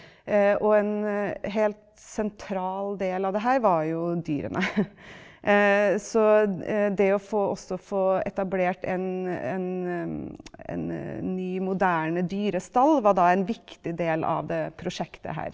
og en helt sentral del av det her var jo dyrene , så det å få også få etablert en en en ny, moderne dyrestall var da en viktig del av det prosjektet her.